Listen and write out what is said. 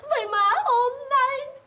vậy mà hôm nay